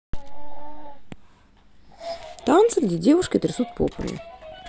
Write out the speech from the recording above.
танцы где девушки трясут попами